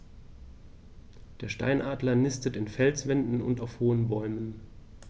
Der Steinadler nistet in Felswänden und auf hohen Bäumen.